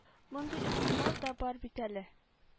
Мондый ихтимал да бар бит әле